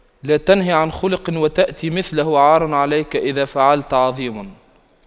لا تنه عن خلق وتأتي مثله عار عليك إذا فعلت عظيم